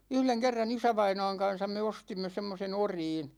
yhden kerran isävainaan kanssa me ostimme semmoisen oriin